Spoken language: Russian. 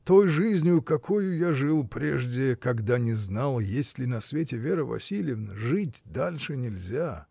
— Той жизнью, какою я жил прежде, когда не знал, есть ли на свете Вера Васильевна, жить дальше нельзя.